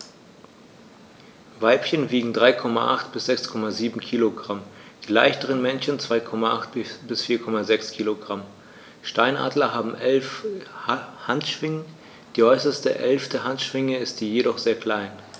Weibchen wiegen 3,8 bis 6,7 kg, die leichteren Männchen 2,8 bis 4,6 kg. Steinadler haben 11 Handschwingen, die äußerste (11.) Handschwinge ist jedoch sehr klein.